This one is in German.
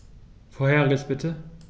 Vorheriges bitte.